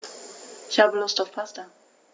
Ich habe Lust auf Pasta.